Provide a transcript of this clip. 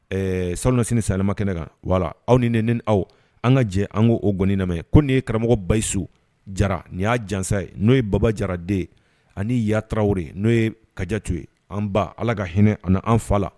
Ɛɛ sanuuna sini salama kɛnɛ kan wala aw ni ni aw an ka jɛ an o gɔni lamɛnmɛ ko nin ye karamɔgɔ bayiso jara ni y'a jansa ye n'o ye baba jaraden ye ani yatara n'o ye kajato ye an ba ala ka hinɛ ani an fa la